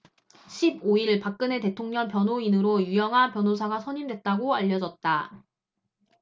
십 오 일 박근혜 대통령 변호인으로 유영하 변호사가 선임됐다고 알려졌다